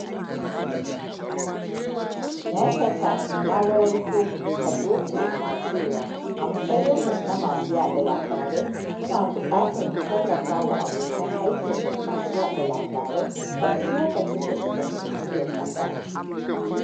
Nyasatimes ya rawaito Kazako na cewa, ''A matsayin mu na masu yaɗa labarai, muna buƙatar mu tallafa wa abokan aikinmu masu yaɗa labarai a duk lokacin da suka shiga cikin matsala.